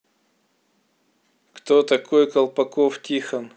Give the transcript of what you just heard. кто такой колпаков тихон